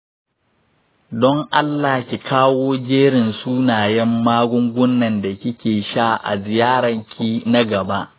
don allah ki kawo jerin sunayen magungunan da kike sha a ziyaran ki na gaba.